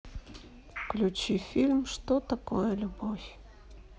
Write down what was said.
включи фильм что такое любовь